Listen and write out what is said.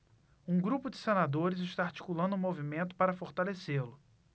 um grupo de senadores está articulando um movimento para fortalecê-lo